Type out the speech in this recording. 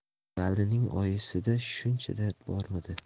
valining oyisida shuncha dard bormidi